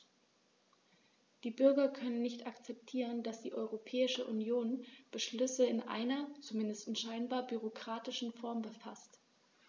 Die Bürger können nicht akzeptieren, dass die Europäische Union Beschlüsse in einer, zumindest scheinbar, bürokratischen Form faßt.